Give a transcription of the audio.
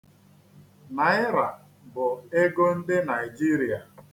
Naịra bụ ego ndị Naịjirịa.